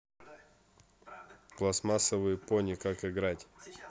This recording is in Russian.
пластмассовые пони как играть